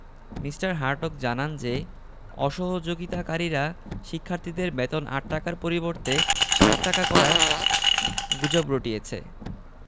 Me. Hartog জানান যে অসহযোগিতাকারীরা শিক্ষার্থীদের বেতন ৮ টাকার পরিবর্তে ৬০ টাকা করার গুজব রটিয়েছে